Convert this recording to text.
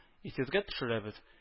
Исегезгә төшерәбез